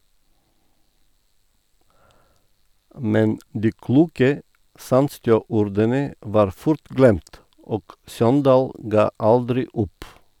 Men de kloke Sandstø-ordene var fort glemt, og Sogndal ga aldri opp.